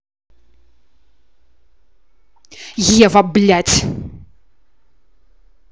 ева блядь